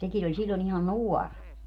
sekin oli silloin ihan nuori